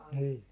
niin